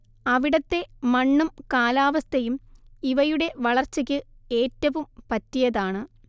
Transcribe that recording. അവിടത്തെ മണ്ണും കാലാവസ്ഥയും ഇവയുടെ വളർച്ചയ്ക്ക് ഏറ്റവും പറ്റിയതാണ്